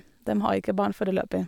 Dem har ikke barn foreløpig.